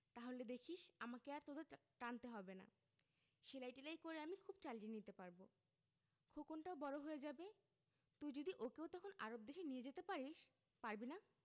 তাহলে দেখিস আমাকে আর তোদের টা টানতে হবে না সেলাই টেলাই করে আমি খুব চালিয়ে নিতে পারব খোকনটাও বড় হয়ে যাবে তুই যদি ওকেও তখন আরব দেশে নিয়ে যেতে পারিস পারবি না